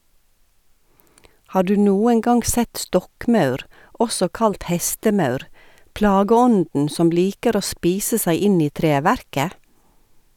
Har du noen gang sett stokkmaur, også kalt hestemaur, plageånden som liker å spise seg inn i treverket?